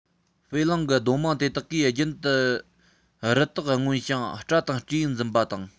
ཧྥེ གླིང གི སྡོད དམངས དེ དག གིས རྒྱུན དུ རི དྭགས རྔོན ཞིང སྤྲ དང སྤྲེའུ འཛིན པ དང